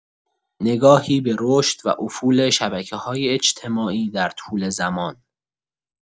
نگاهی به رشد و افول شبکه‌های اجتماعی در طول زمان.